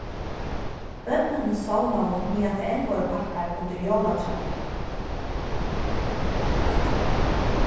børnini sovnaðu meðan tað enn vóru pakkar eftir undir jólatrænum